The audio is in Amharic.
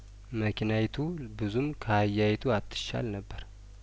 መኪናዪቱ ብዙም ካህያዪቱ አትሻል ነበር